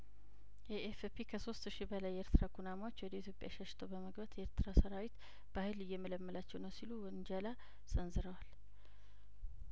ኤኤፍፒ ከሶስት ሺ በላይ የኤርትራ ኩናማዎች ወደ ኢትዮጵያ ሸሽተው በመግባት የኤርትራ ሰራዊት በሀይል እየመለመላቸው ነው ሲሉ ውንጀላ ሰንዝረዋል